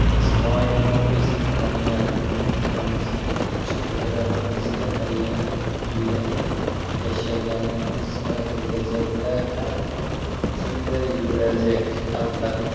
biz doimo o'z imkoniyatlarimiz kuch qudratimizga tayanib suyanib yashaganmiz va kelajakda ham shunday bo'lajak albatta